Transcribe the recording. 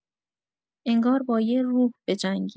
انگار با یه روح بجنگی.